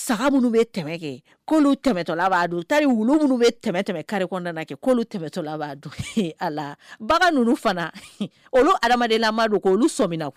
Saga minnu bɛ tɛmɛ kɛolu tɛmɛtɔ b'a u tari wu bɛ tɛmɛ tɛmɛ kari kɛ tɛmɛtɔ b'a a ninnu fana olu adamadendu olu sɔ minna